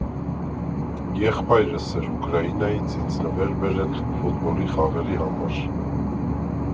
Եղբայրս էր Ուկրաինայից ինձ նվեր բերել՝ ֆուտբոլի խաղերի համար.